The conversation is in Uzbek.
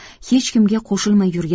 hech kimga qo'shilmay yurgan